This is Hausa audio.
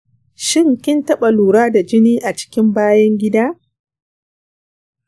shin kin taɓa lura da jini a cikin bayan gida?